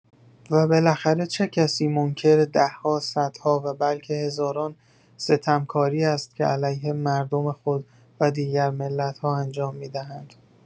و بالاخره چه کسی منکر ده‌ها، صدها و بلکه هزاران ستمکاری است که علیه مردم خود و دیگر ملت‌ها انجام می‌دهند؟